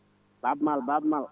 Baaba Mall Baaba Mall